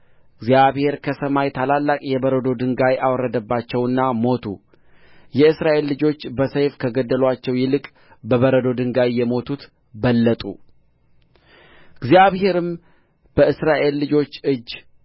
እግዚአብሔር ከሰማይ ታላላቅ የበረዶ ድንጋይ አወረደባቸውና ሞቱ የእስራኤል ልጆች በሰይፍ ከገደሉአቸው ይልቅ በበረዶ ድንጋይ የሞቱት በለጡ እግዚአብሔርም በእስራኤል ልጆች እጅ